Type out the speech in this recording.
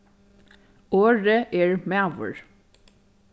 orðið er maður